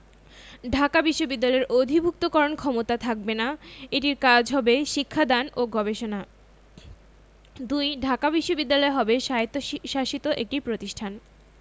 ঢাকা বিশ্ববিদ্যালয়ের অধিভুক্তিকরণ ক্ষমতা থাকবে না এটির কাজ হবে শিক্ষা দান ও গবেষণা ২. ঢাকা বিশ্ববিদ্যালয় হবে স্বায়ত্তশাসিত একটি প্রতিষ্ঠান